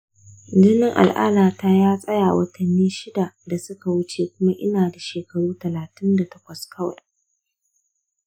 jinin al’adata ya tsaya watanni shida da suka wuce kuma ina da shekaru talatin da takwas kawai.